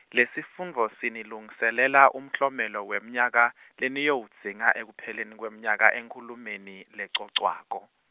lesifundvo sinilungiselela umklomelo wemnyaka, leniyowudzinga ekupheleni kwemnyaka enkhulumeni, lecocwako.